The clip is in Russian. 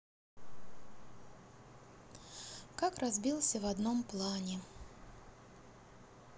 как разбился в одном плане